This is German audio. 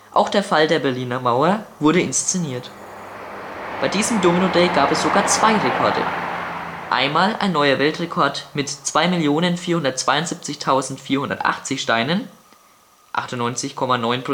Auch der Fall der Berliner Mauer wurde inszeniert. Bei diesem Domino-Day gab es sogar zwei Rekorde. Einmal ein neuer Weltrekord mit 2.472.480 Steinen (98,90 %